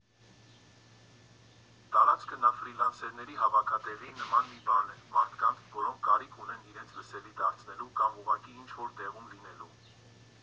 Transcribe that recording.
Տարածքը նաև ֆրիլանսերների հավաքատեղիի նման մի բան է՝ մարդկանց, որոնք կարիք ունեն իրենց լսելի դարձնելու կամ ուղղակի ինչ֊որ տեղում լինելու։